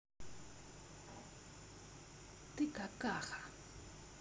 ты какаха